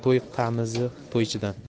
to'y tamizi to'ychidan